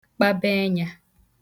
kpabe enyā